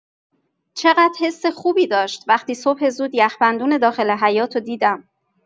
چقدر حس خوبی داشت وقتی صبح زود یخ‌بندون داخل حیاط رو دیدم!